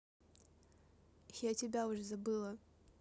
я тебя уже забыла